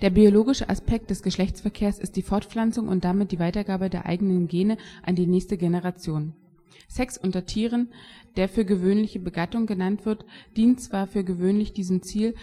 biologische Aspekt des Geschlechtsverkehrs ist die Fortpflanzung und damit die Weitergabe der eigenen Gene an die nächste Generation. Sex unter Tieren, der für gewöhnlich Begattung genannt wird, dient zwar für gewöhnlich diesem Ziel